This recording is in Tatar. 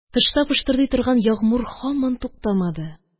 Тышта пыштырдый торган ягъмур һаман туктамады.